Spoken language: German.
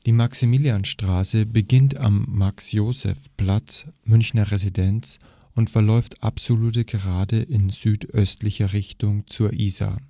Maximilianstraße beginnt am Max-Joseph-Platz (Münchner Residenz) und verläuft absolut gerade in südöstlicher Richtung zur Isar